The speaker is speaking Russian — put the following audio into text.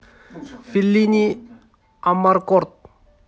феллини амаркорд